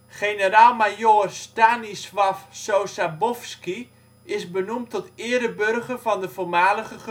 Generaal-Majoor Stanisław Sosabowski is benoemd tot ereburger van de voormalige